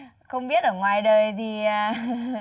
không biết ở ngoài đời thì